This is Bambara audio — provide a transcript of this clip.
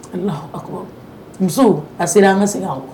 Allahu akbar musow, a sera an ka segin an kɔ!